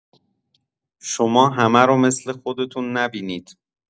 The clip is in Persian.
شما همه رو مثل خودتون نبینید